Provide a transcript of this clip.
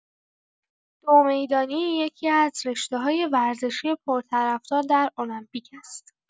دوومیدانی یکی‌از رشته‌های ورزشی پرطرفدار در المپیک است.